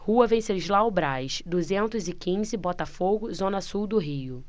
rua venceslau braz duzentos e quinze botafogo zona sul do rio